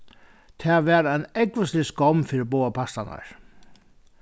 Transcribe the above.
tað var ein ógvuslig skomm fyri báðar partarnar